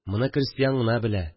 Моны крестьян гына белә